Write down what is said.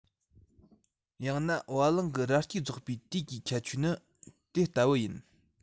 ཡང ན བ གླང གི རྭ སྐྱེས རྫོགས པའི དུས ཀྱི ཁྱད ཆོས ནི དེ ལྟ བུ ཡིན